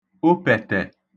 opẹ̀tẹ̀